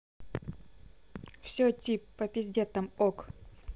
все тип попизде там ok